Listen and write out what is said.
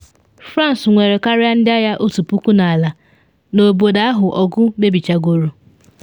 France nwere karịa ndị agha 1,000 n’ala n’obodo ahụ ọgụ mebichagoro.